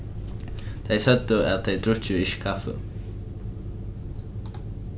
tey søgdu at tey drukku ikki kaffi